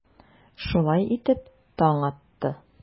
Шулай итеп, таң атты.